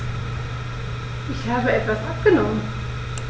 Ich habe etwas abgenommen.